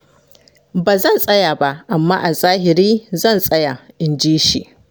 Ba zan tsaya ba, amma a zahiri zan tsaya,” inji shi.